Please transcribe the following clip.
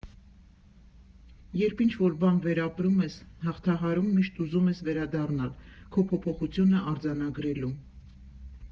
Երբ ինչ֊որ բան վերապրում ես, հաղթահարում, միշտ ուզում ես վերադառնալ՝ քո փոփոխությունը արձանագրելու։